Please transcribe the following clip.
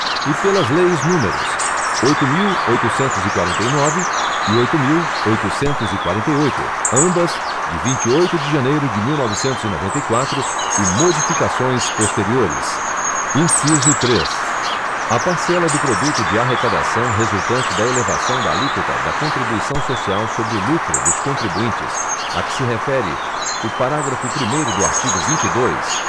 e pelas leis números oito mil oitocentos e quarenta e nove e oito mil oitocentos e quarenta e oito ambas de vinte e oito de janeiro de mil e novecentos e noventa e quatro e modificações posteriores inciso três a parcela do produto da arrecadação resultante da elevação da alíquota da contribuição social sobre o lucro dos contribuintes a que se refere o parágrafo primeiro do artigo vinte e dois